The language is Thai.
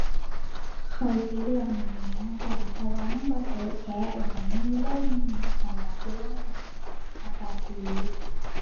ข้อยสิเลือกหน้าหนาวจ้า เพราะว่ามันบ่เฉอะแฉะ แล้วก็มีลมตลอดเวลา อากาศดี